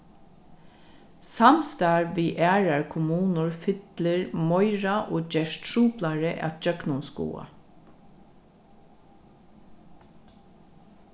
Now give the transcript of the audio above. samstarv við aðrar kommunur fyllir meira og gerst truplari at gjøgnumskoða